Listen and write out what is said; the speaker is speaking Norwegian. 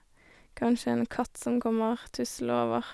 Kanskje en katt som kommer tuslende over.